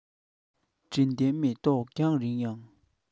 དྲི ལྡན མེ ཏོག རྒྱང རིང ཡང